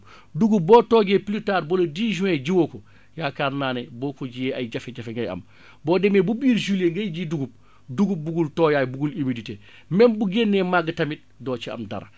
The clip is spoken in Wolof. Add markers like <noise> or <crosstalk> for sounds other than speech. <breath> dugub boo toogee plus tard ba le dix juin jiwoo ko yaakaar naa ne boo ko jiwee ay jafe-jafe ngay am boo demee ba biir juillet ngay ji dugub dugub buggul tooyaay buggul humidité même bu génnee màgg tamit doo ci am dara